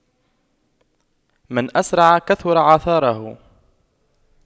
من أسرع كثر عثاره